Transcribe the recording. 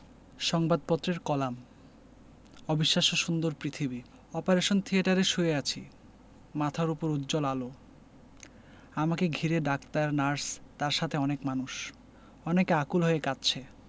সংবাদপত্রের কলাম অবিশ্বাস্য সুন্দর পৃথিবী অপারেশন থিয়েটারে শুয়ে আছি মাথার ওপর উজ্জ্বল আলো আমাকে ঘিরে ডাক্তার নার্স তার সাথে অনেক মানুষ অনেকে আকুল হয়ে কাঁদছে